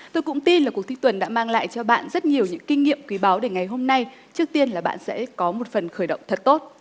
tôi cũng tin là cuộc thi tuần đã mang lại cho bạn rất nhiều những kinh nghiệm quý báu để ngày hôm nay trước tiên là bạn sẽ có một phần khởi động thật tốt